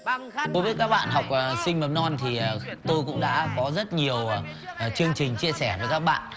tôi biết các bạn học sinh mầm non thì tôi cũng đã có rất nhiều ở chương trình chia sẻ với các bạn